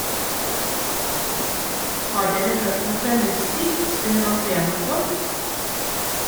- Har dere hørt noe fra Lustü under hans VM-opphold?